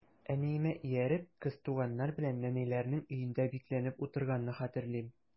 Әниемә ияреп, кыз туганнар белән нәнәйләрнең өендә бикләнеп утырганны хәтерлим.